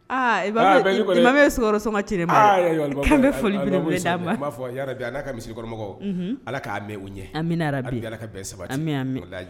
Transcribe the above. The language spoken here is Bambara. Ti foli kakɔrɔ ala k' ɲɛ sabali